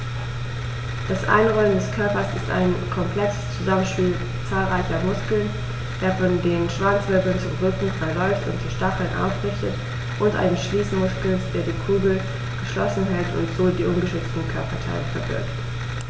Das Einrollen des Körpers ist ein komplexes Zusammenspiel zahlreicher Muskeln, der von den Schwanzwirbeln zum Rücken verläuft und die Stacheln aufrichtet, und eines Schließmuskels, der die Kugel geschlossen hält und so die ungeschützten Körperteile verbirgt.